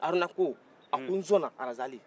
haruna ko a ko n sɔnna arazali